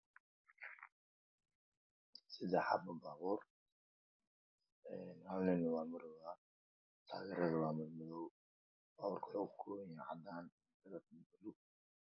Meel wado baabuurna marayaa lugo leh kalarkisa cadaan